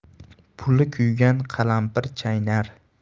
puli kuygan qalampir chaynar